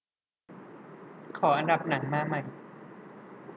ขออันดับหนังมาใหม่